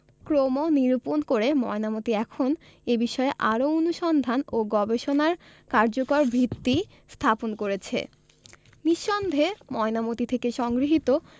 ক্রম নিরূপণ করে ময়নামতী এখন এ বিষয়ে আরও অনুসন্ধান ও গবেষণার কার্যকর ভিত্তি স্থাপন করেছে নিঃসন্দেহে ময়নামতী থেকে সংগৃহীত